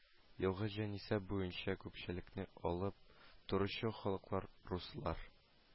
Елгы җанисәп буенча күпчелекне алып торучы халыклар: руслар